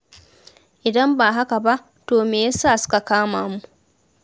Idan ba haka ba, to me ya sa suka kama mu?